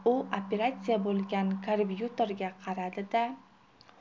u operatsiya bo'lgan karbyuratorga qaradi da